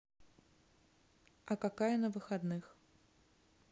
а какая на выходных